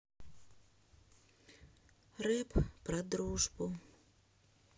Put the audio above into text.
рэп про дружбу